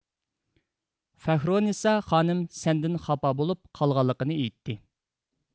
فەھرونىسا خانىم سەندىن خاپا بولۇپ قالغانلىقىنى ئېيتتى